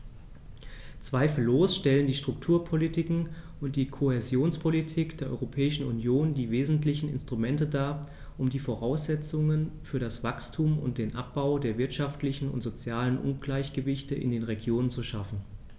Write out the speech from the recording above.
Zweifellos stellen die Strukturpolitiken und die Kohäsionspolitik der Europäischen Union die wesentlichen Instrumente dar, um die Voraussetzungen für das Wachstum und den Abbau der wirtschaftlichen und sozialen Ungleichgewichte in den Regionen zu schaffen.